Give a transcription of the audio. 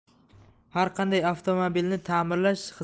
har qanday avtomobilni ta'mirlash